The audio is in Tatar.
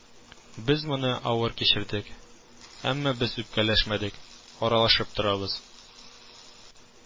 Без моны авыр кичердек, әмма без үпкәләшмәдек, аралашып торабыз